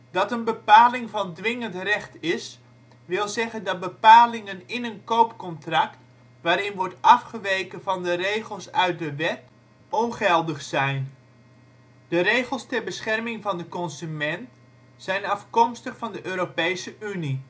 Dat een bepaling van dwingend recht is, wil zeggen dat bepalingen in een koopcontract waarin wordt afgeweken van de regels uit de wet, ongeldig zijn. De regels ter bescherming van de consument zijn afkomstig van de Europese Unie